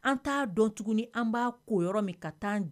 An t'a dɔn tuguni an b'a ko yɔrɔ min ka taa jan